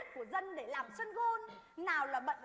của dân để làm sân gôn nào là bận